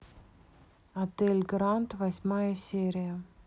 отель гранд восьмая серия